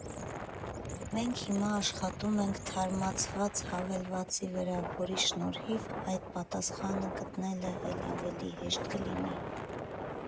Մենք հիմա աշխատում ենք թարմացված հավելվածի վրա, որի շնորհիվ այդ պատասխանը գտնելը էլ ավելի հեշտ կլինի.